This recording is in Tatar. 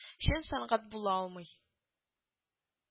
Чын сәнгать була алмый